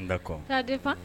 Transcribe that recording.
N kɔ ka difa